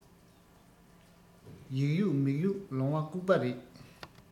ཡིག ཡོད མིག ཡོད ལོང བ སྐུགས པ རེད